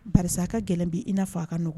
Barisa ka gɛlɛn bi i na fɔ a ka nɔgɔ